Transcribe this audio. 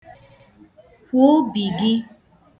Kwuo obi gị.